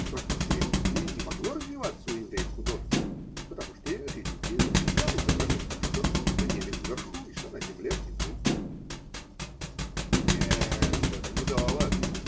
Просто в древности не могло развиваться у евреев художество потому, что религия запрещала изображать то, что на небе вверху и что на земле внизу. – Нет-с, это не довод.